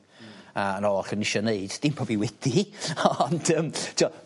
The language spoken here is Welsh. Hmm. A'r oll o'n i isio neud dim bo' fi wedi ond yym ti 'o.